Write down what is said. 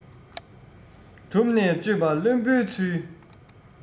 གྲུབ ནས དཔྱོད པ བླུན པོའི ཚུལ